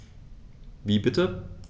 Wie bitte?